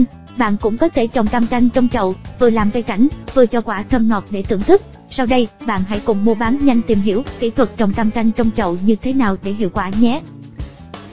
bạn cũng có thể trồng cam canh trong chậu vừa làm cây cảnh vừa cho quả thơm ngọt để thưởng thức sau đây bạn hãy cùng muabannhanh tìm hiểu kỹ thuật trồng cam canh trong chậu như thế nào để hiệu quả nhé